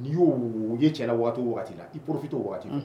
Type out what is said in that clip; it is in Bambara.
N'i y'o wu ye cɛlala waati waati la i porofi too waati la